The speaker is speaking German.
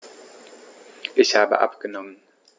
Ich habe abgenommen.